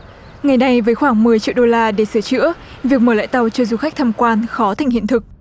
ngày nay với khoảng mười triệu đô la để sửa chữa việc mở lại tàu cho du khách tham quan khó thành hiện thực